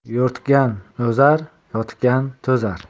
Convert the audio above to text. yo'rtgan o'zar yotgan to'zar